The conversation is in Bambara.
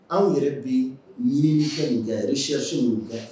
Anw yɛrɛ bɛ ɲinin kɛ siso ninnu kɛ